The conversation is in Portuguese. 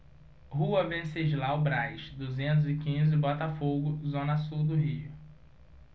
rua venceslau braz duzentos e quinze botafogo zona sul do rio